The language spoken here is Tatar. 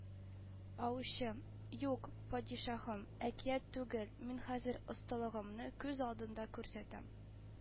Аучы: «Юк, падишаһым, әкият түгел, мин хәзер осталыгымны күз алдында күрсәтәм